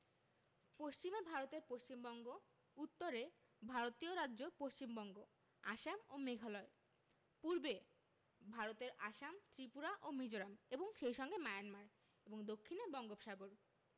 পশ্চিমে ভারতের পশ্চিমবঙ্গ উত্তরে ভারতীয় রাজ্য পশ্চিমবঙ্গ আসাম ও মেঘালয় পূর্বে ভারতের আসাম ত্রিপুরা ও মিজোরাম এবং সেই সঙ্গে মায়ানমার এবং দক্ষিণে বঙ্গোপসাগর